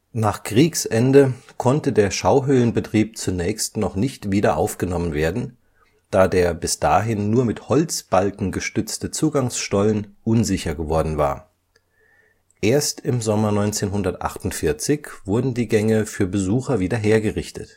Nach Kriegsende konnte der Schauhöhlenbetrieb zunächst noch nicht wieder aufgenommen werden, da der bis dahin nur mit Holzbalken gestützte Zugangsstollen unsicher geworden war. Erst im Sommer 1948 wurden die Gänge für Besucher wieder hergerichtet